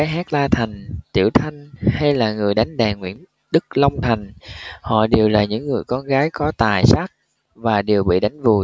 hát la thành tiểu thanh hay là người đánh đàn nguyễn đất long thành họ đều là những người con gái có tài sắc và đều bị đánh vùi